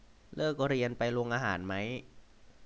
เลิกเรียนไปโรงอาหารมั้ย